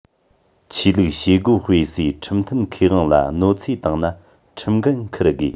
ཆོས ལུགས བྱེད སྒོ སྤེལ སའི ཁྲིམས མཐུན ཁེ དབང ལ གནོད འཚེ བཏང ན ཁྲིམས འགན འཁུར དགོས